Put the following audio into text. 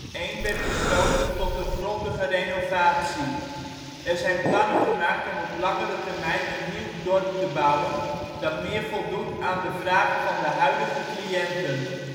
2001 werd besloten tot een grondige renovatie. Er zijn plannen gemaakt om op langere termijn een nieuw " Dorp " te bouwen, dat meer voldoet aan de vragen van de huidige cliënten